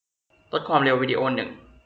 ลดความเร็ววีดีโอหนึ่ง